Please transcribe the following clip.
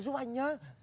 giúp anh nhớ